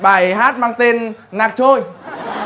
bài hát mang tên lạc trôi